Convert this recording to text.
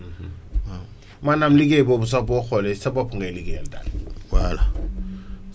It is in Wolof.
maanaam liggéey boobu sax boo xoolee sa bopp ngay liggéeyal daal voilà